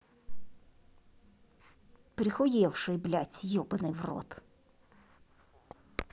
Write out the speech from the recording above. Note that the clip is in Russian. прихуевший блядь ебаный врот